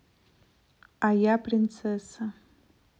а я принцесса